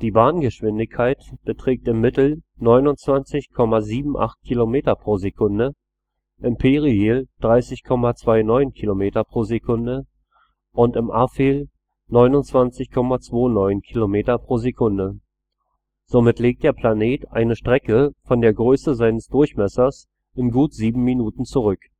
Bahngeschwindigkeit beträgt im Mittel 29,78 km/s, im Perihel 30,29 km/s und im Aphel 29,29 km/s; somit legt der Planet eine Strecke von der Größe seines Durchmessers in gut sieben Minuten zurück